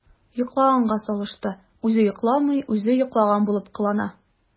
“йоклаганга салышты” – үзе йокламый, үзе йоклаган булып кылана.